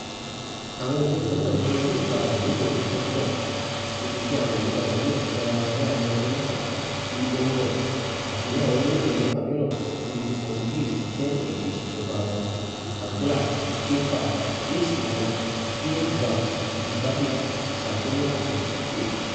Àwọn òfin kan náà ni wọn yóò padà múlò ní Portugal, níbi tí àwọn àyípadà yóò tẹ̀lé ara wọn ní àárin ọdún mẹ́fà tí ó ń bọ̀, àti ní àwọn orílẹ̀-èdè 6 mìíràn níbi tí Portuguese ti jẹ́ èdè ìṣèjọba wọn: Angola, Cape Verde, East Timor, Guinea-Bissau, Mozambique, São Tomé àti Principe.